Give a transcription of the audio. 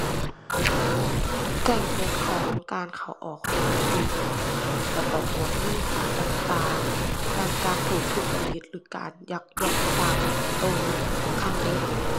แจ้งเตือนของการเข้าออกของบัตรเดบิตแล้วก็พวกเงินฝากต่างต่าง กันการถูกทุจริต หรือการยักยอกทรัพย์ ก็นั้นก็สำคัญเดะ